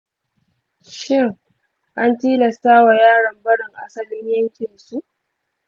shin an tilasta wa yaron barin asalin yankinsu?